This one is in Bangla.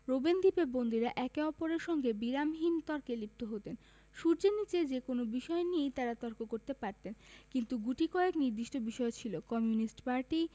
রোবেন দ্বীপে বন্দীরা একে অপরের সঙ্গে বিরামহীন তর্কে লিপ্ত হতেন সূর্যের নিচে যেকোনো বিষয় নিয়েই তাঁরা তর্ক করতে পারতেন কিন্তু গুটিকয়েক নির্দিষ্ট বিষয় ছিল কমিউনিস্ট পার্টি